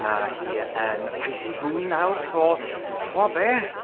Ma' hi yn Pisces moon nawr, so chimod be?